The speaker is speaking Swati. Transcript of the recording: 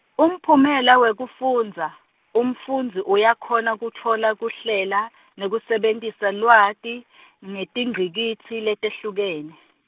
umphumela wekufundza, umfundzi uyakhona kutfola kuhlela, nekusebentisa lwati , ngetingcikitsi, letehlukene.